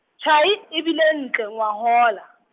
tjhai, e bile ntle, ngwahola.